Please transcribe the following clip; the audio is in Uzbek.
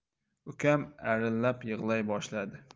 ukam arillab yig'lay boshladi